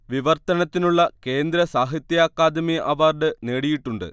വിവർത്തനത്തിനുള്ള Kendra Sahitya Akademi award നേടിയിട്ടുണ്ട്